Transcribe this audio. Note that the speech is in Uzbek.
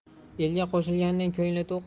elga qo'shilganning ko'ngli to'q